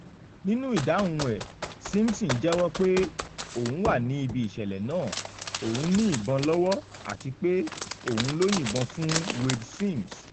Nínú ìdáhùn ẹ, Simpson jẹ́wọ́ pé òun wà ní ibi iṣẹ̀lẹ̀ náà, òun ní ìbọn lọ́wọ́, àti pé òun ló yìnbọn fún Wayde Sims.